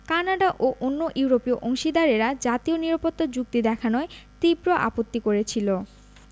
Canada ও অন্য ইউরোপীয় অংশীদারেরা জাতীয় নিরাপত্তা র যুক্তি দেখানোয় তীব্র আপত্তি করেছিল